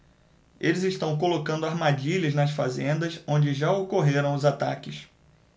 eles estão colocando armadilhas nas fazendas onde já ocorreram os ataques